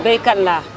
béykat laa